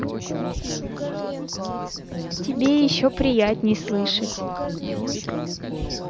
тебе еще приятней слышать